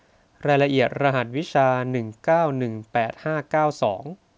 รายละเอียดรหัสวิชาหนึ่งเก้าหนึ่งแปดห้าเก้าสอง